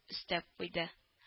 Өстәп куйды: